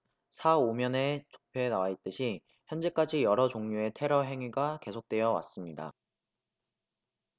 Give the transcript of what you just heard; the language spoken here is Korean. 사 오 면의 도표에 나와 있듯이 현재까지 여러 종류의 테러 행위가 계속되어 왔습니다